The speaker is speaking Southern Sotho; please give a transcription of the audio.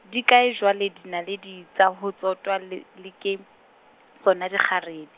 di kae jwale dinaledi tsa ho tsotwa le le ke, tsona dikgarebe.